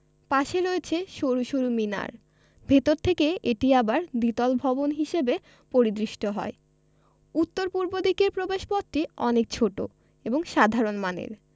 পাশে রয়েছে সরু সরু মিনার ভেতর থেকে এটি আবার দ্বিতল ভবন হিসেবে পরিদৃষ্ট হয় উত্তর পূর্ব দিকের প্রবেশপথটি অনেক ছোট এবং সাধারণ মানের